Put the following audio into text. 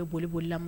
Bɛ bolioli la ma